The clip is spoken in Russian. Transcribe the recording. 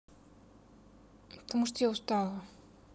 потому что я устала